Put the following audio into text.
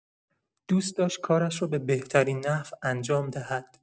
دوست داشت کارش را به بهترین نحو انجام دهد.